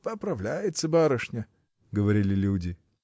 — Поправляется барышня, — говорили люди.